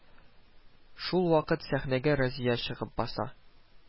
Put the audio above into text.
Шул вакыт сәхнәгә Разия чыгып баса